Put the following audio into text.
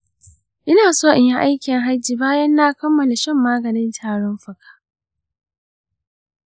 ina so in yi aikin hajji bayan na kamala shan maganin tarin fuka .